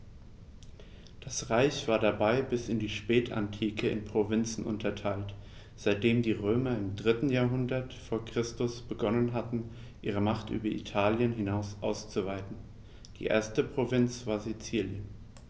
Das Reich war dabei bis in die Spätantike in Provinzen unterteilt, seitdem die Römer im 3. Jahrhundert vor Christus begonnen hatten, ihre Macht über Italien hinaus auszuweiten (die erste Provinz war Sizilien).